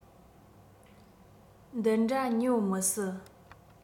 འདི འདྲ ཉོ མི སྲིད